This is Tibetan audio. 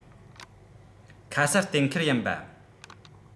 ཁ གསལ གཏན འཁེལ ཡིན པ